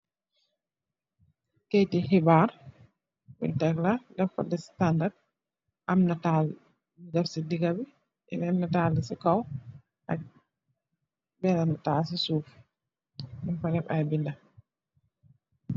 Kayti kibar bounge tek la deffa dis tandard am natal boung deff ci diga bi am young tek ci kaw